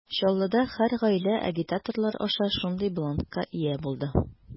Чаллыда һәр гаилә агитаторлар аша шундый бланкка ия булды.